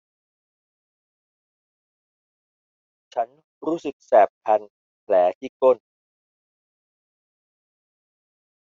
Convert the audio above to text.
ฉันรู้สึกแสบคันแผลที่ก้น